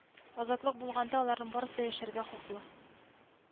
Азатлык булганда аларның барысыда яшәргә хаклы